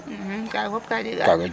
Kaaga fop kaa jegaa teen?